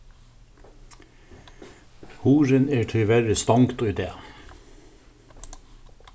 hurðin er tíverri stongd í dag